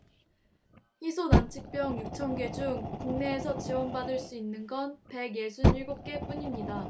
희소난치병 육 천 개 중 국내에서 지원을 받을 수 있는 건 백 예순 일곱 개뿐입니다